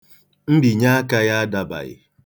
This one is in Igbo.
Mbinyeaka ya adabaghị.